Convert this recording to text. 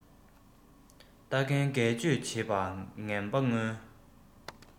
རྟ རྒན སྒལ བཅོས བྱེད པ ངན ལ མངོན